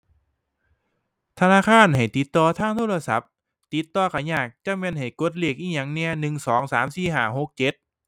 ธนาคารให้ติดต่อทางโทรศัพท์ ติดต่อก็ยาก จักแม่นให้กดเลขอิหยังแหน่ หนึ่งสองสามสี่ห้าหกเจ็ด